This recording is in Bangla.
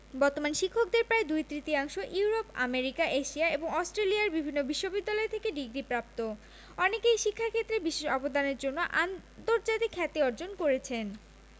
বর্তমান শিক্ষকদের প্রায় দুই তৃতীয়াংশ ইউরোপ আমেরিকা এশিয়া এবং অস্ট্রেলিয়ার বিভিন্ন বিশ্ববিদ্যালয় থেকে ডিগ্রিপ্রাপ্ত অনেকেই শিক্ষাক্ষেত্রে বিশেষ অবদানের জন্য আন্তর্জাতিক খ্যাতি অর্জন করেছেন